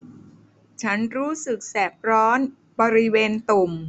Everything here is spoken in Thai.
ฉันรู้สึกแสบร้อนบริเวณตุ่ม